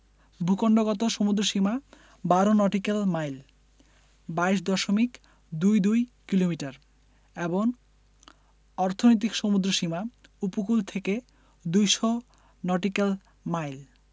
ভূখন্ডগত সমুদ্রসীমা ১২ nautical mile ২২ দশমিক দুই দুই কিলোমিটার এবং অর্থনৈতিক সমুদ্রসীমা উপকূল থেকে ২০০ নটিক্যাল মাইল